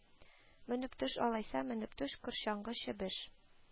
Менеп төш алайса, менеп төш, корчаңгы чебеш